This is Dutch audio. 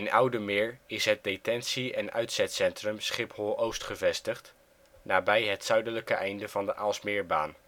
Oude Meer is het Detentie - en Uitzetcentrum Schiphol-Oost gevestigd, nabij het zuidelijke einde van de Aalsmeerbaan